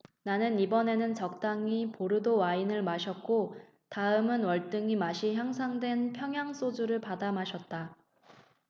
나는 이번에는 적당히 보르도 와인을 마셨고 다음은 월등히 맛이 향상된 평양 소주를 받아 마셨다